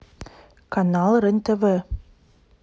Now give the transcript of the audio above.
канал рен тв